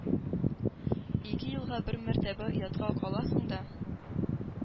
Ике елга бер мәртәбә оятка каласың да